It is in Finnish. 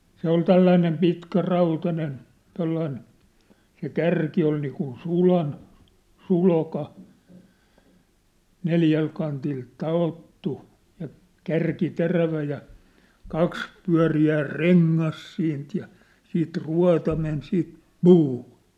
se oli tällainen pitkä rautainen tuollainen se kärki oli niin kuin sulan sulka neljältä kantilta taottu ja kärki terävä ja kaksi pyöreää rengasta siitä ja sitten ruota meni siitä puuhun